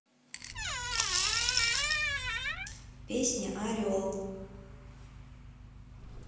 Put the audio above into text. песня орел